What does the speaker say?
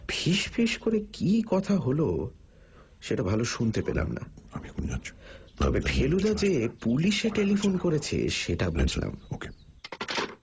ফিস ফিস করে কী কথা হল সেটা ভাল শুনতে পেলাম না তবে ফেলুদা যে পুলিশে টেলিফোন করছে সেটা বুঝলাম